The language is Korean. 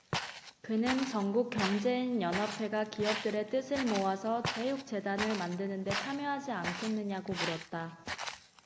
그는 전국경제인연합회가 기업들의 뜻을 모아서 체육재단을 만드는 데 참여하지 않겠느냐고 물었다